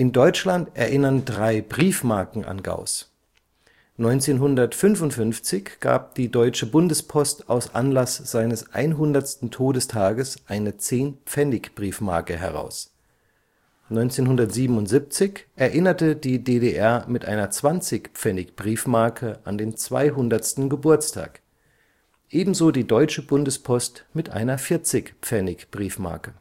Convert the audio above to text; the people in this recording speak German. Deutschland erinnern drei Briefmarken an Gauß: 1955 gab die Deutsche Bundespost aus Anlass seines 100. Todestages eine 10-Pf-Briefmarke heraus; 1977 erinnerte die DDR mit einer 20-Pf-Briefmarke an den 200. Geburtstag, ebenso die Deutsche Bundespost mit einer 40-Pf-Briefmarke